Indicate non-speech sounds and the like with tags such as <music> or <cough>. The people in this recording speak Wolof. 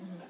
<hesitation> <hesitation>